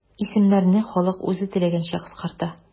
Исемнәрне халык үзе теләгәнчә кыскарта.